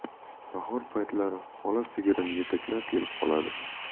bahor paytlari ola sigirini yetaklab kelib qoladi